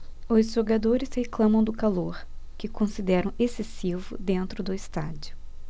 os jogadores reclamam do calor que consideram excessivo dentro do estádio